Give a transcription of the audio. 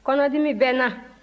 kɔnɔdimi bɛ n na